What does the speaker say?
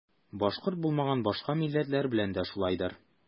Башкорт булмаган башка милләтләр белән дә шулайдыр.